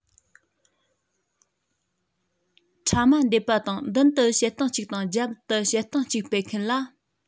ཕྲ མ འདེབས པ དང མདུན ལ བྱེད སྟངས གཅིག དང རྒྱབ ཏུ བྱེད སྟངས གཅིག སྤེལ མཁན ལ